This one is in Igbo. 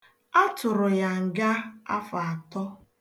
A tụrụ ya nga afọ atọ